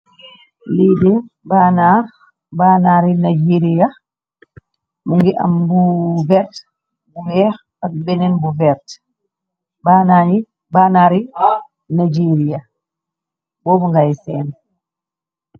lider baanaax baanaari nigeria mu ngi am bu vert bu weex ak benneen bu vert baanaari nigeria boobu ngaay seem